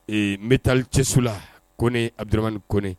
Ee n bɛ taali cɛso la ko ne abirban ko ne